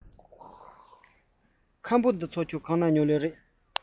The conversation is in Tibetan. ཁམ བུ ཕ ཚོ ག ནས གཟིགས པ